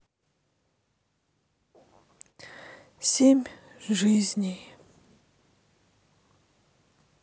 семь жизней